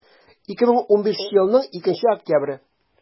2015 елның 2 октябре